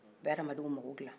a bɛ hadamadenw mako dilan